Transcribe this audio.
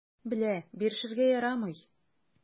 Белә: бирешергә ярамый.